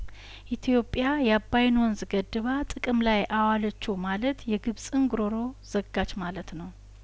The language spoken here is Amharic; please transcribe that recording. ኢትዮጵያ የአባይን ወንዝ ገድ ባጥቅም ላይ አዋለችው ማለት የግብጽን ጉሮሮ ዘጋች ማለት ነው